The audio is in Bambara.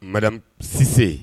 Madame -- Cissé